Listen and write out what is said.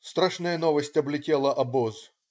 Страшная новость облетела обоз.